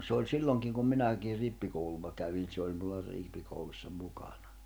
se oli silloinkin kun minäkin rippikoulua kävin se oli minulla rippikoulussa mukana